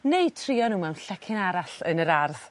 neu trio n'w mewn llecyn arall yn yr ardd.